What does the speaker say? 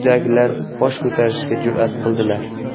uydagilar bosh ko'tarishga jurat qildilar